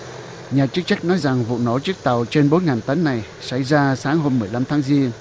nhà chức trách nói rằng vụ nổ chiếc tàu trên bốn ngàn tấn này xảy ra sáng hôm mười lăm tháng giêng